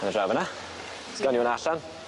Wnna draw fyn 'na. Gawn ni wnna allan.